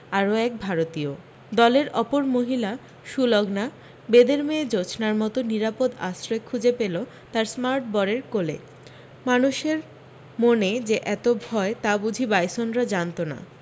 আরও এক ভারতীয় দলের অপর মহিলা সুলগনা বেদের মেয়ে জোছনার মতো নিরাপদ আশ্রয় খুঁজে পেল তার স্মার্ট বরের কোলে মানুষের মনে যে এত ভয় তা বুঝি বাইসনরা জানত না